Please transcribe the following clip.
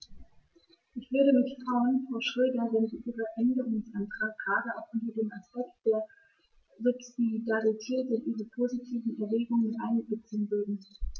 Ich würde mich freuen, Frau Schroedter, wenn Sie diesen Änderungsantrag gerade auch unter dem Aspekt der Subsidiarität in Ihre positiven Erwägungen mit einbeziehen würden.